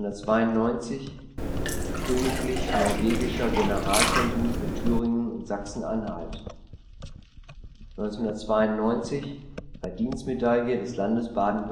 1992 – Königlich Norwegischer Generalkonsul für Thüringen und Sachsen-Anhalt 1992 – Verdienstmedaille des Landes Baden-Württemberg